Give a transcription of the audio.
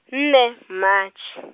nne Matšhe.